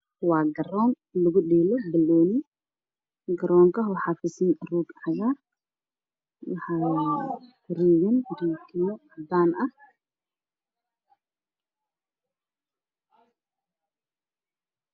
Waa garoon lugu dheelaayo banooni waxaa kufidsan roog cagaaran waxaa ku wareegsan wareegmo cadaan ah.